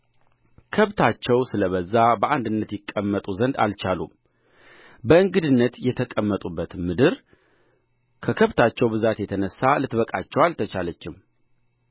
ከብታቸው ስለ በዛ በአንድነት ይቀመጡ ዘንድ አልቻሉም በእንግድነት የተቀመጡባትም ምድር ከከብታቸው ብዛት የተነሣ ልትበቃቸው አልቻለችም